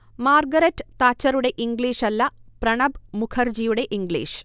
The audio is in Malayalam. മാർഗരറ്റ് താച്ചറുടെ ഇംഗ്ലീഷല്ല, പ്രണബ് മുഖർജിയുടെ ഇംഗ്ലീഷ്